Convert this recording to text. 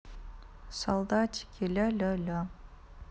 солдатики ля ля ля